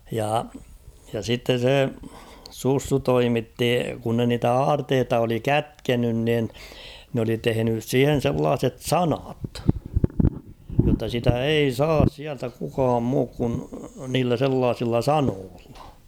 ja ja sitten se Sussu toimitti kun ne niitä aarteita oli kätkenyt niin ne oli tehnyt siihen sellaiset sanat jotta sitä ei saisi sieltä kukaan muuten kuin niillä sellaisilla sanoilla